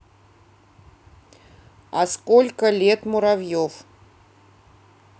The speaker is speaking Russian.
а сколько лет муравьев